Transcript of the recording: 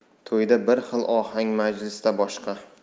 to'yda bir xil ohang majlisda boshqa